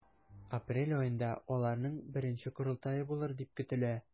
Апрель аенда аларның беренче корылтае булыр дип көтелә.